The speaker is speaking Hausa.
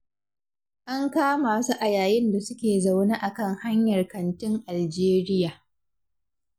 An kama su a yayin da suke zaune a kan hanyar kantin Algeria.